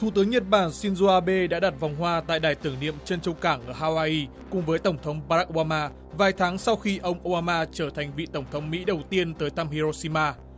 thủ tướng nhật bản sin dô a bê đã đặt vòng hoa tại đài tưởng niệm trân châu cảng ở hai goai y cùng với tổng thống ba rắc ô ba ma vài tháng sau khi ông ô ba ma trở thành vị tổng thống mỹ đầu tiên tới thăm hi rô si ma